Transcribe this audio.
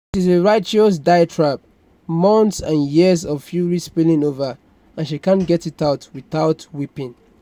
It is a righteous diatribe, months and years of fury spilling over, and she can't get it out without weeping.